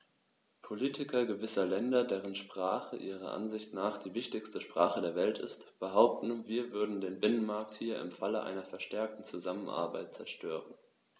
Politiker gewisser Länder, deren Sprache ihrer Ansicht nach die wichtigste Sprache der Welt ist, behaupten, wir würden den Binnenmarkt hier im Falle einer verstärkten Zusammenarbeit zerstören.